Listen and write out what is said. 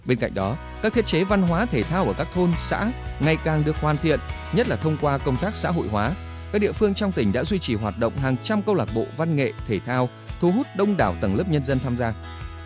bên cạnh đó các thiết chế văn hóa thể thao ở các thôn xã ngày càng được hoàn thiện nhất là thông qua công tác xã hội hóa các địa phương trong tỉnh đã duy trì hoạt động hàng trăm câu lạc bộ văn nghệ thể thao thu hút đông đảo tầng lớp nhân dân tham gia